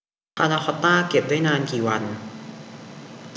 พานาคอตต้าเก็บได้นานกี่วัน